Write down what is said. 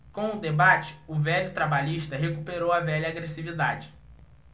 com o debate o velho trabalhista recuperou a velha agressividade